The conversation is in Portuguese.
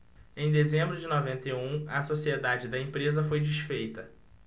em dezembro de noventa e um a sociedade da empresa foi desfeita